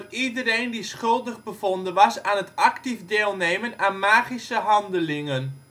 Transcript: iedereen die schuldig bevonden was aan het actief deelnemen aan magische handelingen